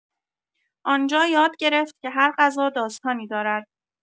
آن‌جا یاد گرفت که هر غذا داستانی دارد.